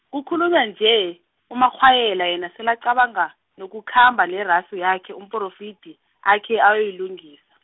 kukhulunywa nje, uMakghwayeja yena selacabanga, nokukhamba neraso yakhe Umporofidi, akhe ayoyilungisa.